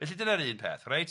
Felly dyna'r un peth reit.